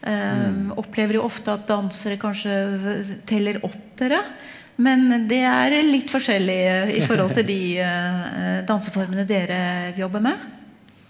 opplever jo ofte at dansere kanskje teller åttere, men det er litt forskjellig i forhold til de danseformene dere jobber med.